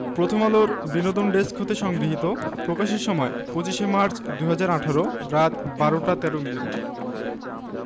প্রথমআলোর বিনোদন ডেস্ক হতে সংগৃহীত প্রকাশের সময় ২৫মার্চ ২০১৮ রাত ১২ টা ১৩ মিনিট